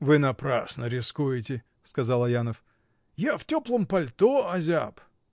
— Вы напрасно рискуете, — сказал Аянов, — я в теплом пальто озяб.